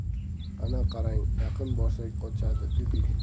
ana qarang yaqin borsak qochadi dedi